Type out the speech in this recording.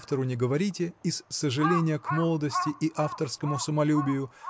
автору не говорите из сожаления к молодости и авторскому самолюбию